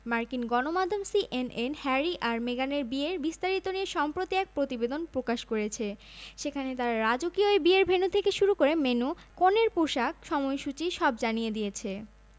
মাথা ঘুরিয়েছিলেন এ বছর কান চলচ্চিত্র উৎসবে ঐশ্বরিয়া ১৭তম বছর পালন করলেন ভারতীয় প্যাভিলিয়নে যখন শ্যানন আর আমি এক সাংবাদিক বন্ধুর সাথে বসে গল্প করছি